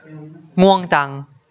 ง่วงจัง